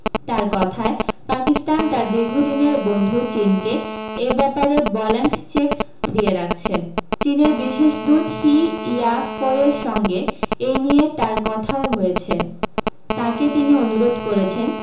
তাঁর কথায় পাকিস্তান তার দীর্ঘদিনের বন্ধু চীনকে এ ব্যাপারে বল্যাঙ্ক চেক দিয়ে রাখছে চীনের বিশেষ দূত হি ইয়াফইয়ের সঙ্গে এই নিয়ে তাঁর কথাও হয়েছে তাঁকে তিনি অনুরোধ করেছেন